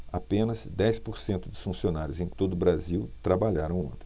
apenas dez por cento dos funcionários em todo brasil trabalharam ontem